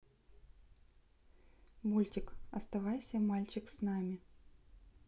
мультик оставайся мальчик с нами